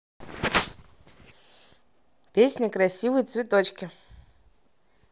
песня красивые цветочки